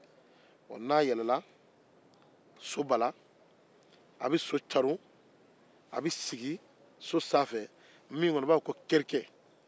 nɛgɛ min bɛ kɛ ka kirikɛ minɛ o ye numuw ka dilali ye